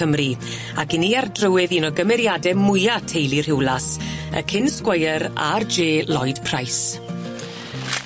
Cymru ac 'yn ni ar drywydd un o gymeriade mwya teulu Rhiwlas y cyn sgweier Are Jay Lloyd Price.